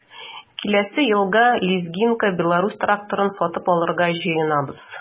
Киләсе елга лизингка “Беларусь” тракторы сатып алырга җыенабыз.